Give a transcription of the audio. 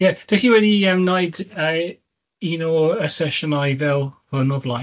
Ie, da chi wedi yym neud yy un o'r sesiynau fel hwn o flaen?